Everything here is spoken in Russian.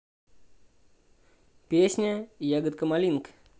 песня yaka ка малинка